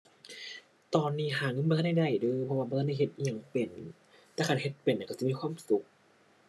ตอนนี้หาเงินบ่ทันได้ได้เด้อ เพราะว่าบ่ทันได้เฮ็ดอิหยังเป็น แต่คันเฮ็ดเป็นนี่ก็สิมีความสุข